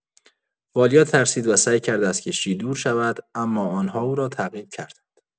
والیا ترسید و سعی کرد از کشتی دور شود، اما آنها او را تعقیب کردند.